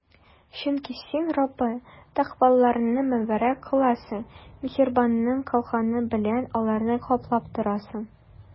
Чөнки Син, Раббы, тәкъваларны мөбарәк кыласың, миһербаның калканы белән аларны каплап торасың.